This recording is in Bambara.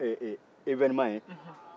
ee ee ewenema ye